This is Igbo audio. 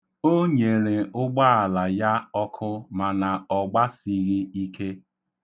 O nyere ụgbaala ya ọkụ mana ọ gbasighị ike.